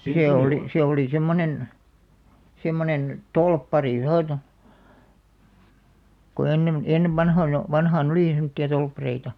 se oli se oli semmoinen semmoinen torppari noita kun ennen ennen vanhoina vanhaan oli semmoisia torppareita